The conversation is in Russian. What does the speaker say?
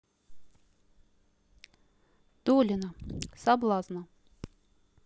долина соблазна